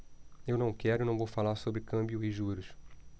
eu não quero e não vou falar sobre câmbio e juros